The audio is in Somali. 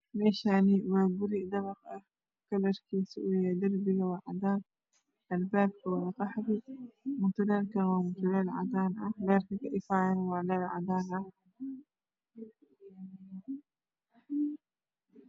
Me Shani wa guri dabaq ah kalar kisu uyahay dar biga wa cadan al babka wa qaxwi mutuleel kana wa mutuleel cadana ah leer ka ka ifa Yana wa ler cadanah